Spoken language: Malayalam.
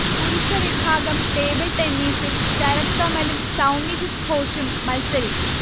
പുരുഷവിഭാഗം ടേബിൾ ടെന്നീസിൽ ശരത് കമലും സൗമ്യജിത് ഘോഷും മൽസരിക്കും